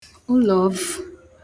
ụlọ̀ọvụ̀